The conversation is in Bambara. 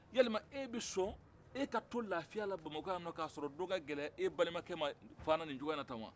yalima e bɛ sɔn e ka tɔ lafiya la bamako yan ka sɔrɔ don ka gɛlɛn e balimakɛ ma fana nin cogoya in la tan wa